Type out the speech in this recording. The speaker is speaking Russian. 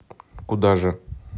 куда же